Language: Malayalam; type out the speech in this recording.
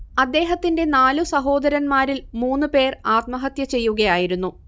അദ്ദേഹത്തിന്റെ നാലു സഹോദരന്മാരിൽ മൂന്നുപേർ ആത്മഹത്യചെയ്യുകയായിരുന്നു